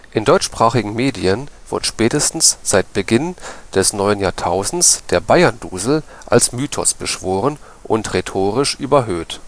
In deutschsprachigen Medien wird spätestens seit Beginn des neuen Jahrtausends der Bayern-Dusel als Mythos beschworen und rhetorisch überhöht